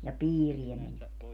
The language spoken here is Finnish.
ja piiriä menivät